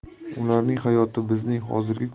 ularning hayoti bizning hozirgi